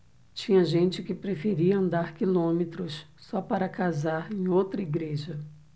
tinha gente que preferia andar quilômetros só para casar em outra igreja